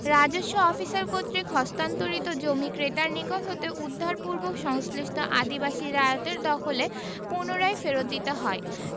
রাজস্ব অফিসার কর্তৃক হস্তান্তরিত জমি ক্রেতার নিকট হতে উদ্ধারপূর্বক সংশ্লিষ্ট আদিবাসী রায়তের দখলে পুনরায় ফেরৎ দিতে হয়